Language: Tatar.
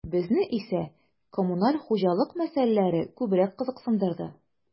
Безне исә коммуналь хуҗалык мәсьәләләре күбрәк кызыксындырды.